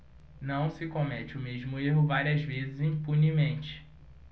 não se comete o mesmo erro várias vezes impunemente